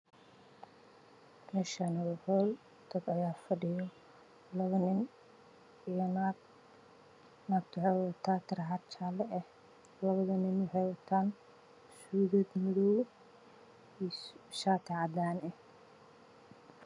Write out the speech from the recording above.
Meeshaani waa hool waxaa i muuqda biyo naag taroxad wadata wataan suudaan madow iyo shaati caddaan